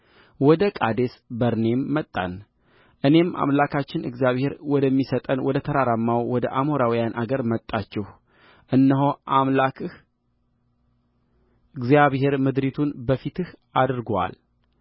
ወደ ቃዴስ በርኔም መጣንእኔም አምላካችን እግዚአብሔር ወደሚሰጠን ወደ ተራራማው ወደ አሞራውያን አገር መጣችሁእነሆ አምላክህ እግዚአብሔር ምድሪቱን በፊትህ አድርጎአል